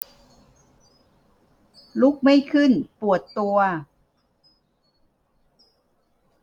ลุกไม่ขึ้นปวดตัว